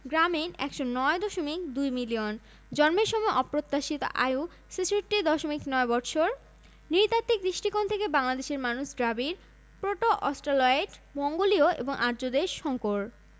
প্রধানত খাগড়াছড়ি বান্দরবান ও রাঙ্গামাটিসহ চট্টগ্রাম কক্সবাজার হবিগঞ্জ সিলেট সুনামগঞ্জ মৌলভীবাজার দিনাজপুর জয়পুরহাট রাজশাহী নওগাঁ রংপুর বগুড়া নবাবগঞ্জ